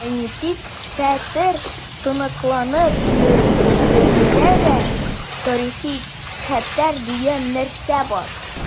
Генетик хәтер тоныкланып өлгерсә дә, тарихи хәтер дигән нәрсә бар.